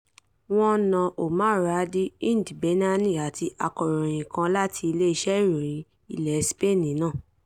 Wọ́n na Omar Radi, Hind Bennani, àti akọ̀ròyìn kan láti ilé-iṣẹ́ ìròyìn ilẹ̀ Spain náà.